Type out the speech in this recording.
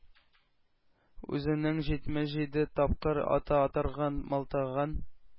Үзенең җитмеш җиде тапкыр ата торган мылтыгын